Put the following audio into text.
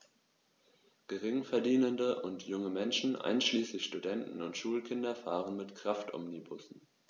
Geringverdienende und junge Menschen, einschließlich Studenten und Schulkinder, fahren mit Kraftomnibussen.